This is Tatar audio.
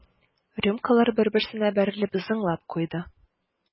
Рюмкалар бер-берсенә бәрелеп зыңлап куйды.